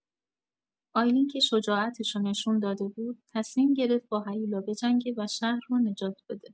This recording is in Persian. آیلین که شجاعتشو نشون داده بود، تصمیم گرفت با هیولا بجنگه و شهر رو نجات بده.